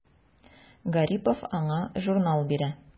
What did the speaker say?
Гарипов аңа журнал бирә.